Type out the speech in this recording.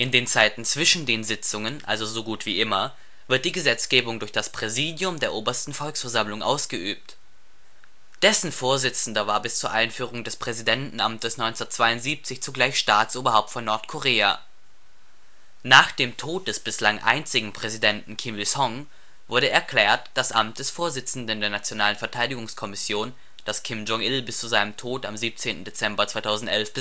den Zeiten zwischen den Sitzungen, also so gut wie immer, wird die Gesetzgebung durch das Präsidium der Obersten Volksversammlung ausgeübt. Dessen Vorsitzender war bis zur Einführung des Präsidentenamtes 1972 zugleich Staatsoberhaupt von Nordkorea. Nach dem Tod des bislang einzigen Präsidenten Kim Il-sung wurde erklärt, das Amt des Vorsitzenden der Nationalen Verteidigungskommission, das Kim Jong-il bis zu seinem Tod am 17. Dezember 2011